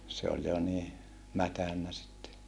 se oli jo niin mädännyt sitten